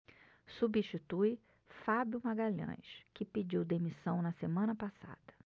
substitui fábio magalhães que pediu demissão na semana passada